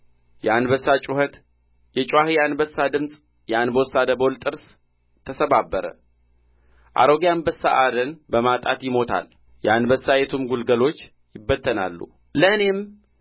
የአንበሳ ጩኸት የጩዋኺ አንበሳ ድምፅ የአንበሳ ደቦል ጥርስ ተሰባበረ አሮጌ አንበሳ አደን በማጣት ይሞታል የአንበሳይቱም ግልገሎች ይበተናሉ ለእኔም